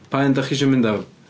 Pa un dach chi isio mynd am?